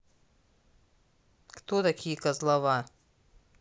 кто такие козлова